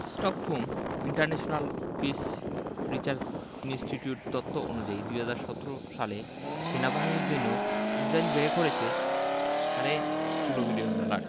Stockholm International Peace Research Institute তথ্য অনুযায়ী ২০১৭ সালে সেনাবাহিনীর জন্য ইসরায়েল ব্যয় করেছে সাড়ে ১৬ বিলিয়ন ডলার